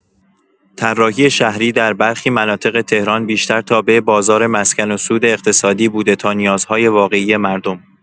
طراحی شهری در برخی مناطق تهران بیشتر تابع بازار مسکن و سود اقتصادی بوده تا نیازهای واقعی مردم.